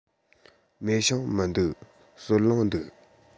མེ ཤིང མི འདུག སོལ རླངས འདུག